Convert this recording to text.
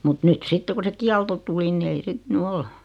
mutta nyt sitten kun se kielto tuli niin ei sitten nyt ole